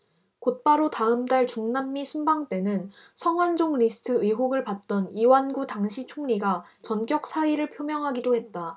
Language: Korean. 곧바로 다음달 중남미 순방 때는 성완종 리스트 의혹을 받던 이완구 당시 총리가 전격 사의를 표명하기도 했다